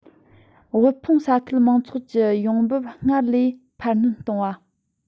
དབུལ ཕོངས ས ཁུལ མང ཚོགས ཀྱི ཡོང འབབ སྔར བས འཕར སྣོན གཏོང བ